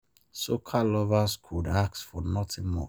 Soca lovers could ask for nothing more.